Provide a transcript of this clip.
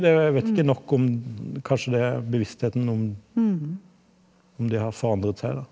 jeg vet ikke nok om kanskje det er bevisstheten om om det har forandret seg da.